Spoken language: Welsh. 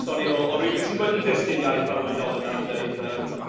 Stori o rywun sy wedi dysgu'r iaith fel oedolyn, wnawn ni ddeud, yym.